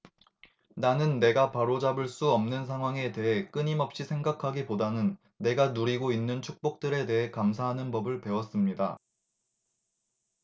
나는 내가 바로잡을 수 없는 상황에 대해 끊임없이 생각하기보다는 내가 누리고 있는 축복들에 대해 감사하는 법을 배웠습니다